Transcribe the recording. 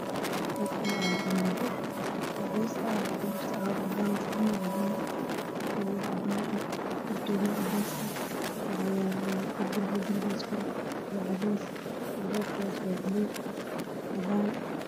meeshaan waxaa yaala qalab fara badan oo qurxan oo ku jiraan tukaan wayn